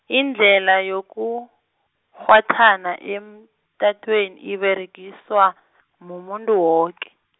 indlhela yokukghwathana emtatweni iberegiswa, mumuntu woke.